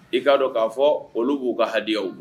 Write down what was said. I k'a dɔn k'a fɔ olu b'u ka hadiya